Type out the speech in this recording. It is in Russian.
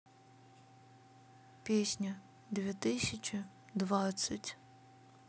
песня две тысячи двадцать